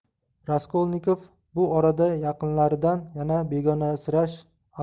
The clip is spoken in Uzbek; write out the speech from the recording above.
raskolnikov bu orada yaqinlaridan yana begonasirash